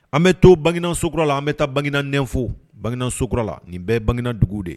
An bɛ to banginasokurala an bɛ taa banginaɛnfo bansokurala nin bɛɛ banginadugu de